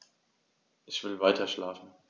Ich will weiterschlafen.